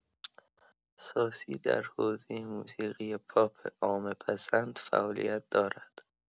ساسی در حوزه موسیقی پاپ عامه‌پسند فعالیت دارد.